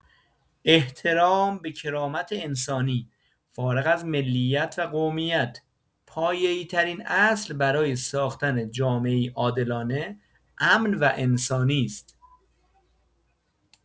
احترام به کرامت انسانی، فارغ از ملیت و قومیت، پایه‌ای‌ترین اصل برای ساختن جامعه‌ای عادلانه، امن و انسانی است.